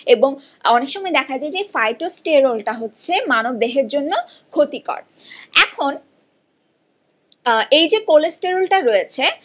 এবং অনেক সময় দেখা যায় যে ফাইটোস্টেরল টা মানবদেহের জন্য ক্ষতিকর এখন এই যে কোলেস্টেরল টা রয়েছে